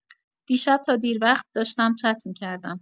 دیشب تا دیر وقت داشتم چت می‌کردم.